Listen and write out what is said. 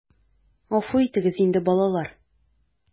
Гафу итегез инде, балалар...